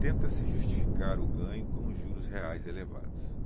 tenta-se justificar o ganho com os juros reais elevados